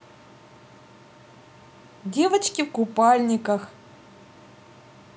девочки в купальниках